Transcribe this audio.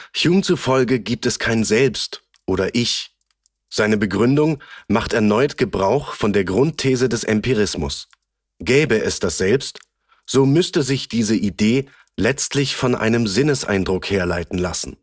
Hume zufolge gibt es kein „ Selbst “oder „ Ich “. Seine Begründung macht erneut Gebrauch von der Grund-These des Empirismus: Gäbe es das Selbst, so müsste sich diese Idee letztlich von einem Sinneseindruck herleiten lassen